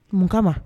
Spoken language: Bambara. Mun kama ma